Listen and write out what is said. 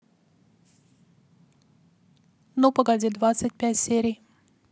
ну погоди двадцать пять серий